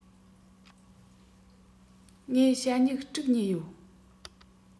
ངས ཞྭ སྨྱུག དྲུག ཉོས ཡོད